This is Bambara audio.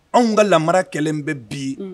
Anw ka la kɛlɛ bɛ bi